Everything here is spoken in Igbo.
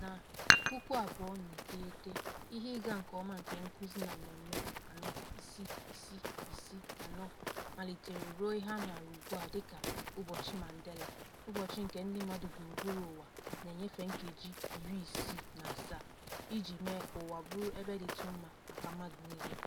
Na 2009, ihe ịga nke ọma nke nkụzi na mmemme 46664 malitere ruo ihe a maara ugbua dịka "Ụbọchị Mandela", ụbọchị nke ndị mmadụ gburugburu ụwa na-enyefe nkeji 67 iji mee ka ụwa bụrụ ebe dịtụ mma maka mmadụ niile.